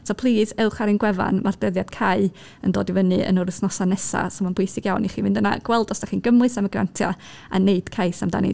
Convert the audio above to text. So plis, ewch ar ein gwefan, mae'r dyddiad cau yn dod i fyny yn yr wythnosau nesaf, so mae'n bwysig iawn i chi fynd yna, gweld os dych chi'n gymwys am y grantiau a wneud cais amdani.